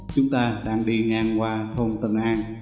chúng ta đang chạy xe ngang qua thôn tân an